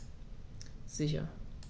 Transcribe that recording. Sicher.